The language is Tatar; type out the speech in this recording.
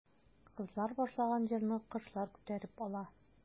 Кызлар башлаган җырны кошлар күтәреп ала.